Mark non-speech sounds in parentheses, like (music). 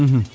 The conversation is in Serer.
(hesitation) (hesitation)